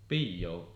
pioa